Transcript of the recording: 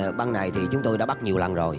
là băng này thì chúng tôi đã bắt nhiều lần rồi